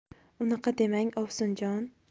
unaqa demang ovsinjon